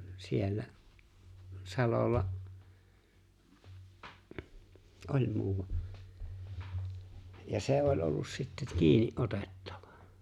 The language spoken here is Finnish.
siellä salolla oli muuan ja se oli ollut sitten kiinni otettava